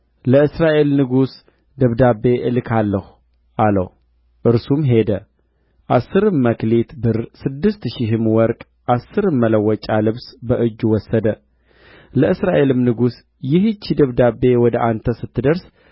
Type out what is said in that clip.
ንዕማንም ገብቶ ለጌታው ከእስራኤል አገር የሆነች አንዲት ብላቴና እንዲህና እንዲህ ብላለች ብሎ ነገረው የሶርያም ንጉሥ ንዕማንን ሂድ